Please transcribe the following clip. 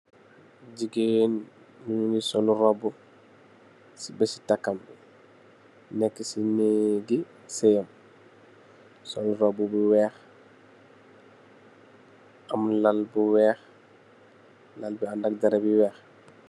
Jigéen mungi sol robbu ci bèsi takam bi nekk ci nèegi sèyam, sol robbu bu weeh, am lal bu weeh. Lal bi andak darap yu weeh.